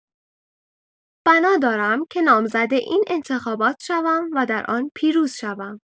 بنا دارم که نامزد این انتخابات شوم و در آن پیروز شوم.